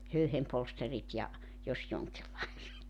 höyhenpolsterit ja jos jonkinlaiset